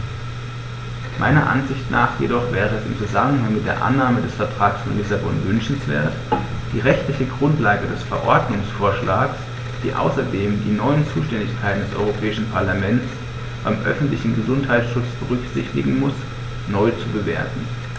Meiner Ansicht nach jedoch wäre es im Zusammenhang mit der Annahme des Vertrags von Lissabon wünschenswert, die rechtliche Grundlage des Verordnungsvorschlags, die außerdem die neuen Zuständigkeiten des Europäischen Parlaments beim öffentlichen Gesundheitsschutz berücksichtigen muss, neu zu bewerten.